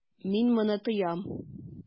Мин моны тоям.